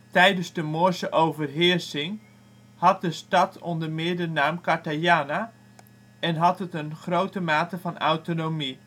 Tijdens de Moorse overheersing had de stad onder meer de naam Qartayanna, en had het een grote mate van autonomie